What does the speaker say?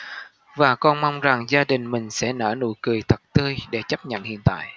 và con mong rằng gia đình mình sẽ nở nụ cười thật tươi để chấp nhận hiện tại